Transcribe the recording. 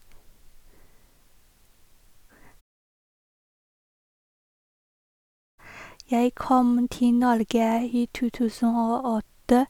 Jeg kom til Norge i to tusen og åtte.